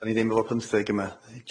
'Dan ni ddim efo pyntheg yma.